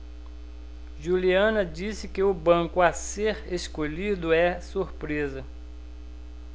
juliana disse que o banco a ser escolhido é surpresa